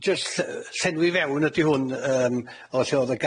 jyst y- llenwi fewn ydi hwn yym o lle o'dd y garej